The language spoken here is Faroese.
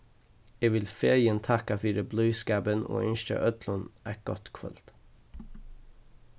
eg vil fegin takka fyri blíðskapin og ynskja øllum eitt gott kvøld